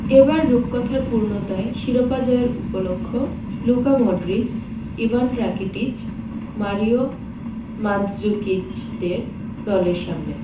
এবার রূপকথার পূর্ণতায় শিরোপা জয়ের উপলক্ষ Luka Modric Ivan Rakitic Mario মান্দজুকিচদের দলের সামনে